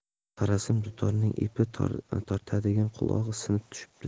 qarasam dutorning ip tortadigan qulog'i sinib tushibdi